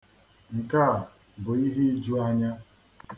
Nke a bụ ihe iju anya.